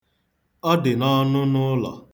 Ọ dị n'ọnụnụụlọ.